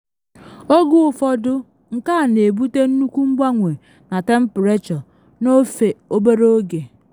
Oge ụfọdụ nke a na ebute nnukwu mgbanwe na temprechọ n’ofe obere oge.